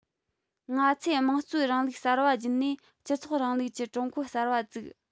ང ཚོས དམངས གཙོའི རིང ལུགས གསར པ བརྒྱུད ནས སྤྱི ཚོགས རིང ལུགས ཀྱི ཀྲུང གོ གསར པ བཙུགས